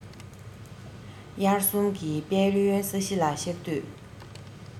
དབྱར གསུམ གྱི དཔལ ཡོན ས གཞི ལ ཤར དུས